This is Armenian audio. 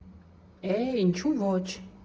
Է՜, ինչու՞ ոչ։